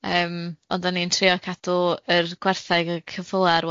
yym ond 'da ni'n trio cadw yr gwarthaig a ceffyla ar